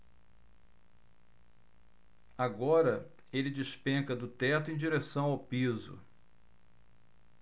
agora ele despenca do teto em direção ao piso